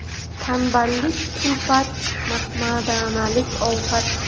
tanballik kulfat mahmadanalik ofat